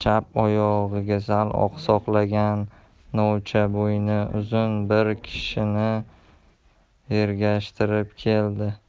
chap oyog'iga sal oqsoqlagan novcha bo'yni uzun bir kishini ergashtirib keldi